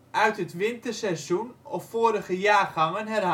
uit het winterseizoen of vorige jaargangen